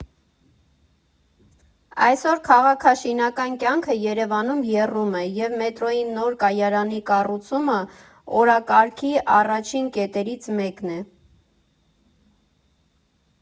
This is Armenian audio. Այսօր քաղաքաշինական կյանքը Երևանում եռում է, և մետրոյի նոր կայարանի կառուցումը օրակարգի առաջին կետերից մեկն է։